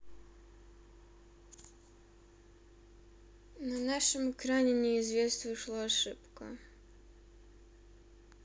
на нашем экране неизвест вышла ошибка